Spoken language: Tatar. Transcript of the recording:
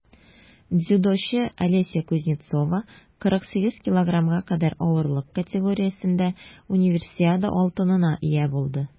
Дзюдочы Алеся Кузнецова 48 кг кадәр авырлык категориясендә Универсиада алтынына ия булды.